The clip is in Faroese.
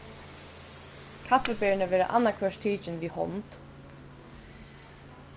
kaffiberini verða annaðhvørt tikin við hond